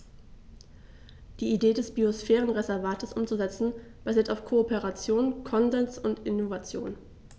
Die Idee des Biosphärenreservates umzusetzen, basiert auf Kooperation, Konsens und Innovation.